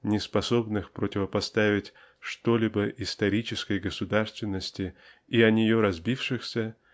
неспособных противопоставить что-либо исторической государственности и о нее разбившихся